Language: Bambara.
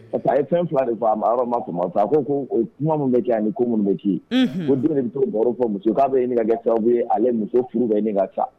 Parce que a ye fɛn fila fɔ a yɔrɔ m'a faamu a ko ko kuma minnu bɛ kɛ ani ko minnu bɛ, unhun, ko dɔ de bɛ t'o baro fɔ muso k'a bɛ ɲini ka kɛ sababu ye ale ye muso furu bɛ ɲini ka sa